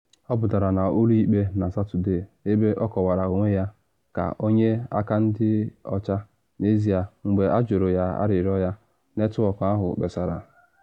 Ọ pụtara n’ụlọ ikpe na Satọde, ebe ọ kọwara onwe ya “ka ọ onye aka dị ọcha, n’ezie” mgbe ajụrụ ya arịrịọ ya, netwọk ahụ kpesara.